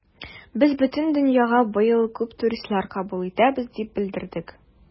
Без бөтен дөньяга быел күп туристлар кабул итәбез дип белдердек.